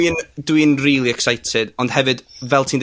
dwi'n dwi'n rili excited, ond hefyd, fel ti'n...